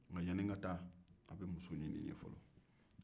nk yanni n ka taa aw bɛ muso ɲini n ye fɔlɔ